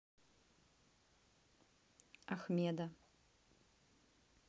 ахмеда